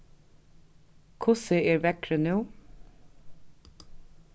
hvussu er veðrið nú